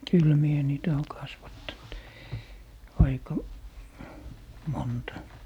kyllä minä niitä olen kasvattanut aika monta